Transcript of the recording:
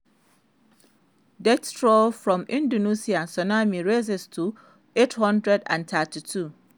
Death toll from Indonesia tsunami rises to 832